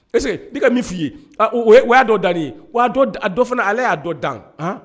Parce n'i ka min fɔ'i ye o y'a dɔ dan ye a dɔ fana ale y'a dɔ dan